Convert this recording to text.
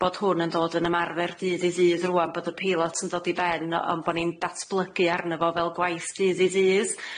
bod hwn yn dod yn ymarfer dydd i ddydd rŵan. Bod y peilot yn dod i ben, o- ond bo' ni'n datblygu arny fo fel gwaith dydd i ddydd... Ia.